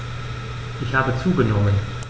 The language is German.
Ich habe zugenommen.